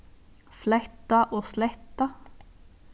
fletta og sletta